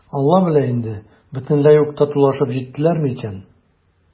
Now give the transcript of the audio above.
«алла белә инде, бөтенләй үк татулашып җиттеләрме икән?»